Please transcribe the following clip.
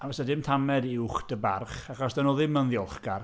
A fasai dim tamed uwch dy barch, achos 'dyn nhw ddim yn ddiolchgar.